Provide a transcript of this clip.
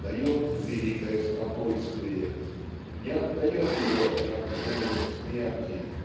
дает великое "спокойствие" не отдает его как Женю смерти